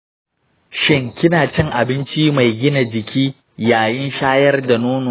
shin kina cin abinci mai gina jiki yayin shayar da nono?